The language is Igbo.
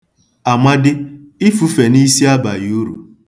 Amadi, ifufe n'isi abaghị uru.